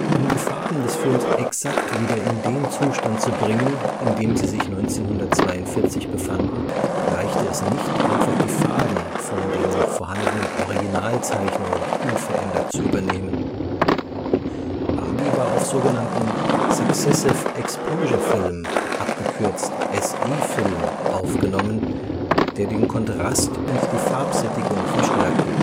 Um die Farben des Films exakt wieder in den Zustand zu bringen, in dem sie sich 1942 befanden, reichte es nicht, einfach die Farben von den noch vorhandenen Originalzeichnungen unverändert zu übernehmen. Bambi war auf sogenanntem „ Successive Exposure-Film “(SE-Film) aufgenommen, der den Kontrast und die Farbsättigung verstärkte